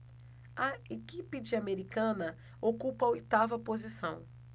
a equipe de americana ocupa a oitava posição